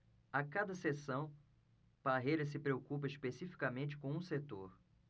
a cada sessão parreira se preocupa especificamente com um setor